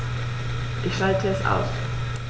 Ich schalte es aus.